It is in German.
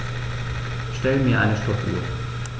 Stell mir eine Stoppuhr.